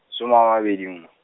some a mabedi nngwe.